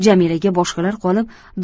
jamilaga boshqalar qolib